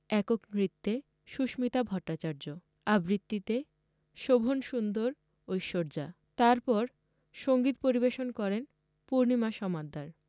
একক নৃত্যে সুস্মিতা ভট্টাচার্য আবৃত্তিতে শোভনসুন্দর ঐশ্বর্যা তার পর সঙ্গীত পরিবেশন করেন পূর্ণিমা সমাদ্দার